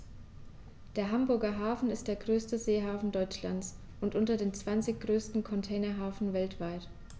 Der Hamburger Hafen ist der größte Seehafen Deutschlands und unter den zwanzig größten Containerhäfen weltweit.